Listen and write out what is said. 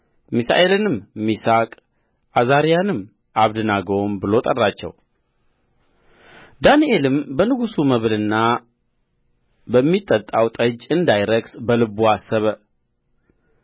ሚሳኤልንም ሚሳቅ አዛርያንም አብደናጎ ብሎ ጠራቸው ዳንኤልም በንጉሡ መብልና በሚጠጣው ጠጅ እንዳይረክስ በልቡ አሰበ